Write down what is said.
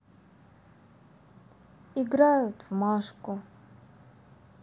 играют в машку